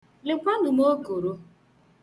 Lekwanụ m okoro!